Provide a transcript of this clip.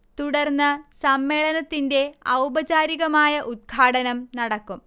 തുടർന്ന് സമ്മേളനത്തിന്റെ ഔപചാരികമായ ഉത്ഘാടനം നടക്കും